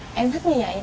em thích như dậy